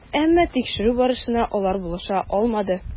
Әмма тикшерү барышына алар булыша алмады.